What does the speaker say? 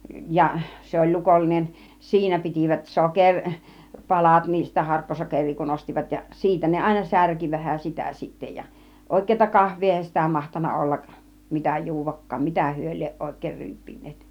ja se oli lukollinen siinä pitivät - sokeripalat niin sitä harkkosokeria kun ostivat ja siitä ne aina särki vähän sitä sitten ja oikeata kahvia eihän sitä mahtanut olla mitä juodakaan mitä he lie oikein ryyppineet